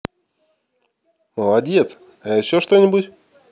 молодец а еще что нибудь